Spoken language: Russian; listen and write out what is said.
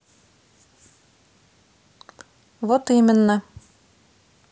вот именно